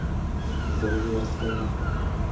зверская